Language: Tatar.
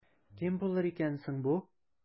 Кем булыр икән соң бу?